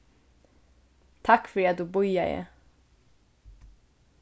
takk fyri at tú bíðaði